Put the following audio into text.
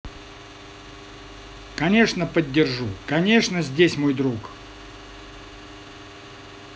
конечно поддержу конечно здесь мой друг